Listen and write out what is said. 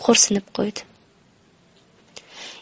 xo'rsinib qo'ydi